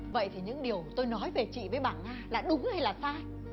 vậy thì những điều tôi nói về chị với bà nga là đúng hay là sai